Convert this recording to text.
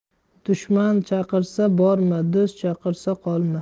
dushman chaqirsa borma do'st chaqirsa qolma